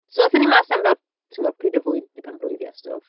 So, aethon ni mas am fel, timod, pryd o fwyd i pen-blwydd hi a stwff.